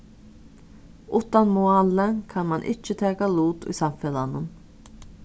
uttan málið kann mann ikki taka lut í samfelagnum